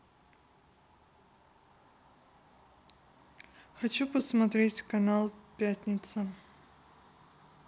хочу посмотреть канал пятница